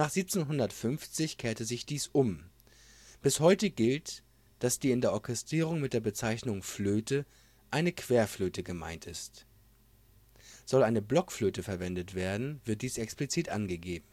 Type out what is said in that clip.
1750 kehrte sich dies um. Bis heute gilt, dass in der Orchestrierung mit der Bezeichnung " Flöte " eine Querflöte gemeint ist. Soll eine Blockflöte verwendet werden, wird dies explizit angegeben